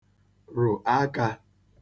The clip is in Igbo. rụ akạ